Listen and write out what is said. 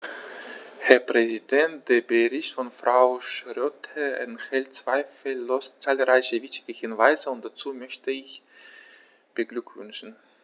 Herr Präsident, der Bericht von Frau Schroedter enthält zweifellos zahlreiche wichtige Hinweise, und dazu möchte ich sie beglückwünschen.